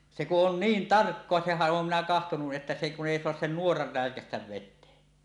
se kun on niin tarkkaa senhän olen minä katsonut että se kun ei saa sen nuoran räikäistä veteen